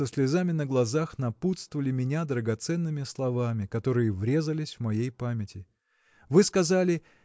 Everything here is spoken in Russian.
со слезами на глазах напутствовали меня драгоценными словами которые врезались в моей памяти. Вы сказали